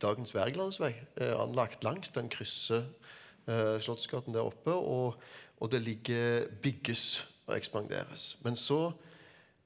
dagens Wergelandsvei er anlagt langs den krysser Slottsgaten der oppe og og det ligger bygges og ekspanderes men så